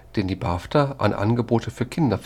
den die BAFTA an Angebote für Kinder vergibt